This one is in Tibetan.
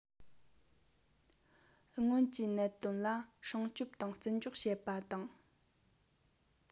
སྔོན གྱི གནད དོན ལ སྲུང སྐྱོབ དང བརྩི འཇོག བྱེད པ དང